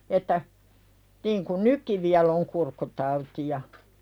että niin kuin nytkin vielä on kurkkutauteja